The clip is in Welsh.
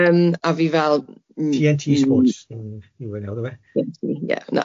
TNT Sports yw e nawr yfe?